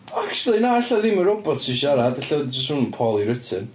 Acshyli na, ella ddim y robot sy'n siarad. Ella jyst hwn yn poorly written.